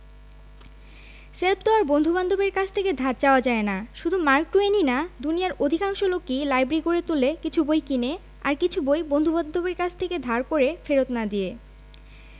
shelf তো আর বন্ধুবান্ধবের কাছ থেকে ধার চাওয়া যায় না শুধু মার্ক টুয়েনই না দুনিয়ার অধিকাংশ লোকি লাইব্রেরি গড়ে তোলে কিছু বই কিনে আর কিছু বই বন্ধুবান্ধবের কাছ থেকে ধার করে ফেরত্ না দিয়ে